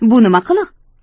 bu nima qiliq